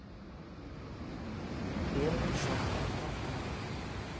первый шалтай болтай